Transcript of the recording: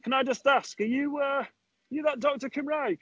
Can I just ask, are you er, are you that doctor Cymraeg?